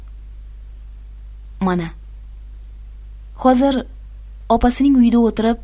mana hozir opasining uyida o'tirib